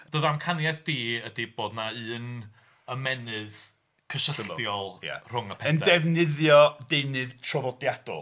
Dy ddamcaniaeth di ydy bod 'na un ymennydd cysylltiol rhwng y pedair... Yn defnyddio deunydd traddodiadol.